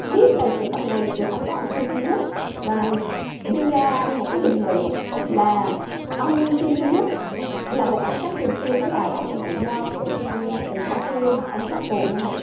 viết về trường hợp này trường hợp của ông trương duy nhất và đưa ra một cái bình luận là ông trương duy nhất là một cộng tác thường xuyên với đài á châu tự do từ khi từ sau khi mà ông ra tù năm một